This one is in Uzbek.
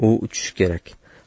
u uchishi kerak